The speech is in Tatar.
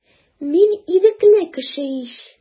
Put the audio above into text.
Мин ирекле кеше ич.